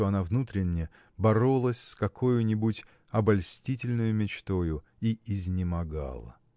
что она внутренне боролась с какою-нибудь обольстительною мечтою – и изнемогала.